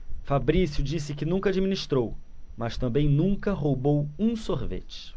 fabrício disse que nunca administrou mas também nunca roubou um sorvete